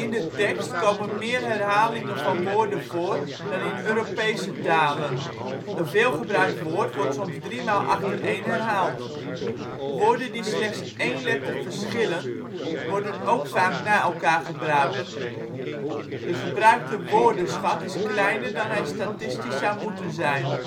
de tekst komen meer herhalingen van woorden voor dan in Europese talen; een veelgebruikt woord wordt soms drie maal achtereen herhaald. Woorden die slechts één letter verschillen worden ook vaak na elkaar gebruikt. De gebruikte " woordenschat " is kleiner dan hij statistisch zou moeten zijn